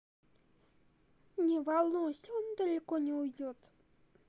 не волнуйся он далеко не уйдет